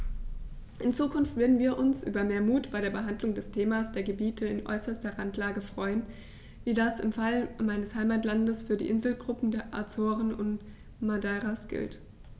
In Zukunft würden wir uns über mehr Mut bei der Behandlung des Themas der Gebiete in äußerster Randlage freuen, wie das im Fall meines Heimatlandes für die Inselgruppen der Azoren und Madeiras gilt.